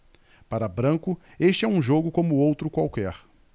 para branco este é um jogo como outro qualquer